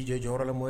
I jɔlamɔgɔ ye